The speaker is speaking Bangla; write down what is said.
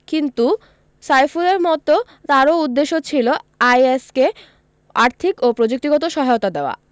কিন্তু সাইফুলের মতো তারও উদ্দেশ্য ছিল আইএস কে আর্থিক ও প্রযুক্তিগত সহায়তা দেওয়া